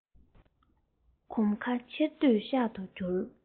གོམ ཁ ཕྱིར སྡོད ཤག ཏུ བསྒྱུར